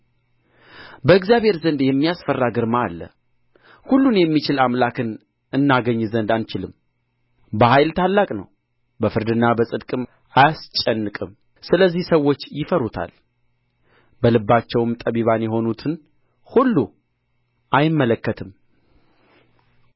በእግዚአብሔር ዘንድ የሚያስፈራ ግርማ አለ ሁሉን የሚችል አምላክን እናገኝ ዘንድ አንችልም በኃይል ታላቅ ነው በፍርድና በጽድቅም አያስጨንቅም ስለዚህ ሰዎች ይፈሩታል በልባቸውም ጠቢባን የሆኑትን ሁሉ አይመለከትም